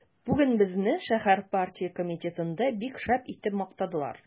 Бүген безне шәһәр партия комитетында бик шәп итеп мактадылар.